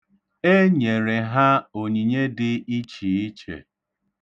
E nyere ha onyinye dị ichiiche.